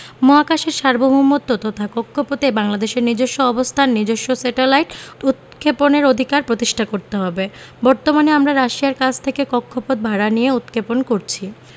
মহাকাশের সার্বভৌমত্ব তথা কক্ষপথে বাংলাদেশের নিজস্ব অবস্থান নিজস্ব স্যাটেলাইট উৎক্ষেপণের অধিকার প্রতিষ্ঠা করতে হবে বর্তমানে আমরা রাশিয়ার কাছ থেকে কক্ষপথ ভাড়া নিয়ে উৎক্ষেপণ করছি